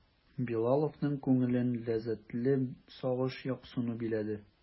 Билаловның күңелен ләззәтле сагыш, юксыну биләде.